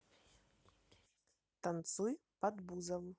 танцуй под бузову